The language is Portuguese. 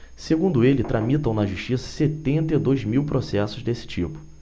segundo ele tramitam na justiça setenta e dois mil processos desse tipo